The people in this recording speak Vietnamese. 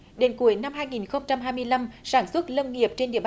đến cuối năm hai nghìn không trăm hai mươi lăm sản xuất lâm nghiệp trên địa